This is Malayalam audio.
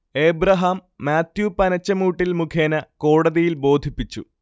ഏബ്രഹാം മാത്യു പനച്ചമൂട്ടിൽ മുഖേന കോടതിയിൽ ബോധിപ്പിച്ചു